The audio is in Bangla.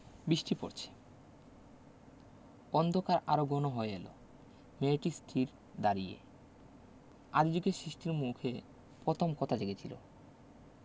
বিষ্টি পরছে অন্ধকার আরো ঘন হয়ে এল মেয়েটি স্থির দাঁড়িয়ে আদি জুগে সিষ্টির মুখে প্রথম কথা জেগেছিল